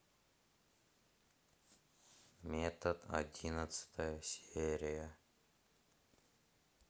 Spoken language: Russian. метод одиннадцатая серия